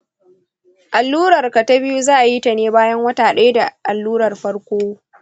allurarka ta biyu za a yi ta ne bayan wata ɗaya da allurar farko.